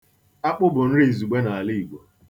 Akpụ bụ nri izugbe n'ala Igbo.